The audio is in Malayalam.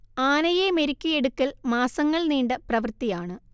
ആനയെ മെരുക്കിയെടുക്കൽ മാസങ്ങൾ നീണ്ട പ്രവൃത്തിയാണ്